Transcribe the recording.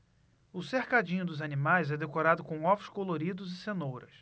o cercadinho dos animais é decorado com ovos coloridos e cenouras